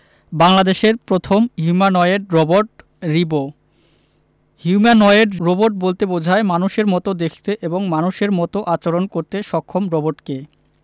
বাংলাদেশের প্রথম humanoid robot Ribo humanoid robot বলতে বোঝায় মানুষের মতো দেখতে এবং মানুষের মতো আচরণ করতে সক্ষম রোবটকে